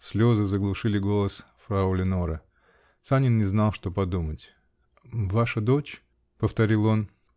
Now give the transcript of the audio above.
Слезы заглушили голос фрау Леноре. Санин не знал, что подумать. -- Ваша дочь? -- повторил он.